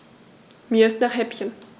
Mir ist nach Häppchen.